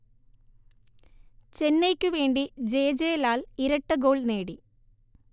ചെന്നൈയ്ക്കു വേണ്ടി ജെജെ ലാൽ ഇരട്ടഗോൾ നേടി